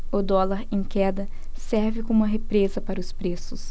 o dólar em queda serve como uma represa para os preços